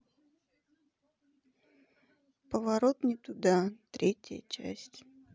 поворот не туда третья часть